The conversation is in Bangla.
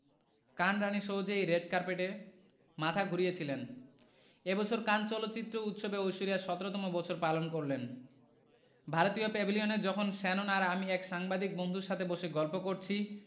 কান রাণী সহজেই রেড কার্পেটে মাথা ঘুরিয়েছিলেন এ বছর কান চলচ্চিত্র উৎসবে ঐশ্বরিয়া ১৭তম বছর পালন করলেন ভারতীয় প্যাভিলিয়নে যখন শ্যানন আর আমি এক সাংবাদিক বন্ধুর সাথে বসে গল্প করছি